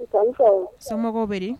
Somɔgɔw bɛ